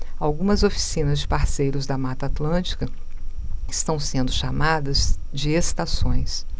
algumas oficinas de parceiros da mata atlântica estão sendo chamadas de estações